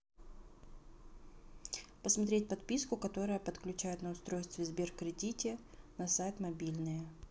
посмотреть подписку которая подключает на устройстве сбер кредите на сайт мобильные